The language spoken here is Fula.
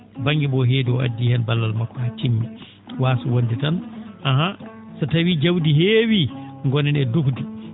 banggue mo heedi o o addi hen ballal makko ha timmi wasa wonde tan ahan so tawi jawdi heewi gonen e ndugde